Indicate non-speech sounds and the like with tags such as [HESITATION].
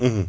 [HESITATION] [HESITATION]